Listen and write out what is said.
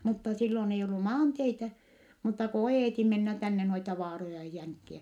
mutta silloin ei ollut maanteitä mutta kun oieti mennä tänne noita vaaroja ja jänkiä